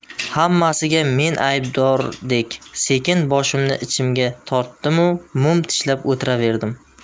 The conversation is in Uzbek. hammasiga men aybdordek sekin boshimni ichimga tortdimu mum tishlab o'tiraverdim